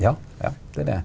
ja ja det er det.